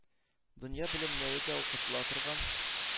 Дөнья белемнәре дә укытыла торган